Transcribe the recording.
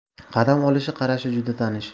qadam olishi qarashi juda tanish